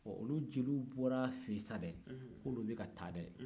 bon o jeliw bɔra a fɛ yen sa dɛ k'olu bɛ ka taa dɛ